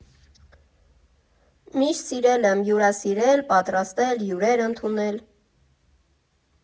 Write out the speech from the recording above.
Միշտ սիրել եմ հյուրասիրել, պատրաստել, հյուրեր ընդունել։